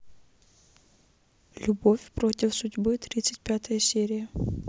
любовь против судьбы тридцать пятая серия